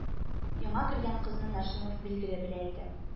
Яңа кергән кызны Нашимов, билгеле, белә иде